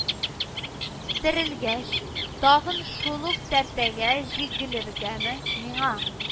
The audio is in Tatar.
Терелгәч тагын шул ук тәртәгә җигелергәме миңа